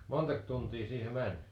montako tuntia siihen meni